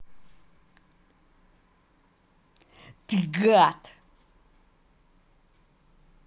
ты гад